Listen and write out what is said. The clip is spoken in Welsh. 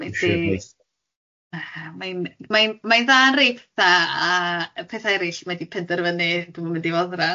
... neith hi wedi yy mae'n mae'n mae'n dda yn rai petha a petha erill mae hi wedi penderfynu dwi'm yn mynd i fotheran.